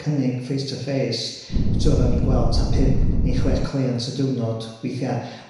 cynnig, face to face, t'mod o'n i'n gweld t'a pump ne' chwech cleiant y diwrnod, weithia'.